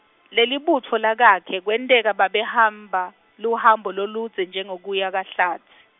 lelibutfo lakakhe, kwenteka babehamba, luhambo loludze njengekuya kaHlatsi.